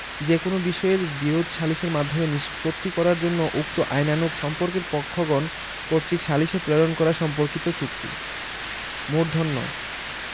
যে কোন বিষয়ের বিরোধ সালিসের মাধ্যমে নিষ্পত্তি করার জন্য উক্ত আইনানুগ সম্পর্কের পক্ষগণ কর্তৃক সালিসে প্রেরণ করা সম্পর্কিত চুক্তি ণ